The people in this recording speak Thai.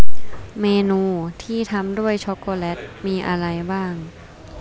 เมนูที่ทำด้วยช็อกโกแลตมีอะไรบ้าง